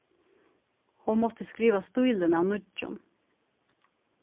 hon mátti skriva stílin av nýggjum